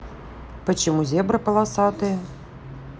почему зебры полосатые